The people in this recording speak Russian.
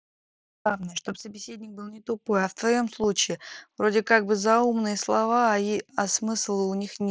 а мне главное чтобы собеседник был не тупой а в твоем случае вроде как бы заумные слова есть а смысла у них нет